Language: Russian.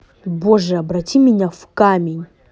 боже обрати меня в камень